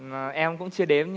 em cũng chưa đếm